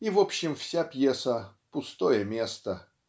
И в общем, вся пьеса - пустое место